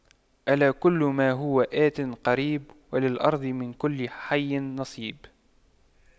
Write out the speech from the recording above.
ألا كل ما هو آت قريب وللأرض من كل حي نصيب